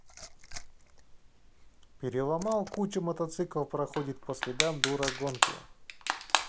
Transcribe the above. переломал кучу мотоцикл проходит по следам дура гонки